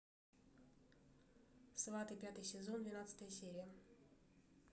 сваты пятый сезон двенадцатая серия